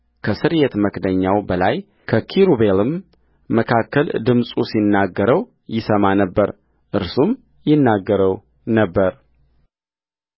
ከስርየት መክደኛ በላይ ከኪሩቤልም መካከል ድምፁ ሲናገረው ይሰማ ነበር እርሱም ይናገረው ነበር